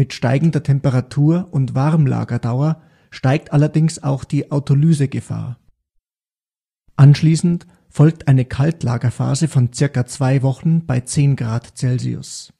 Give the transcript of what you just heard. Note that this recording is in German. steigender Temperatur und Warmlagerdauer steigt allerdings auch die Autolysegefahr. Anschließend folgt eine Kaltlagerphase von ca. zwei Wochen bei 10 °C